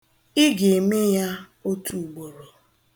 Ị ga-eme ya otuugboro.